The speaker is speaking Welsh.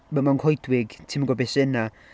m- m- mewn coedwig, ti'm yn gwybod be sy 'na.